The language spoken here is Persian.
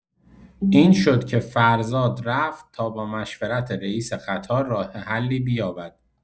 این شد که فرزاد رفت تا با مشورت رئیس قطار راه حلی بیابد.